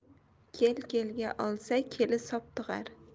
kel kelga olsa keli sop tug'ar